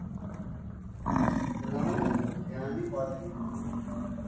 Տնօրեն Աշոտ Բլեյանի պատվին։